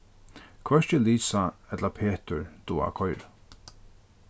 hvørki lisa ella petur duga at koyra